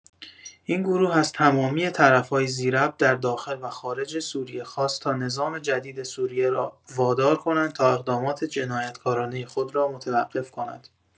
این گروه از تمامی طرف‌های ذی‌ربط در داخل و خارج سوریه خواست تا نظام جدید سوریه را وادار کنند تا اقدامات جنایتکارانه خود را متوقف کند.